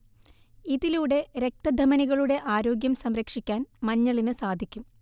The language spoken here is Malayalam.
ഇതിലൂടെ രക്തധമനികളുടെ ആരോഗ്യം സംരക്ഷിക്കാൻ മഞ്ഞളിന് സാധിക്കും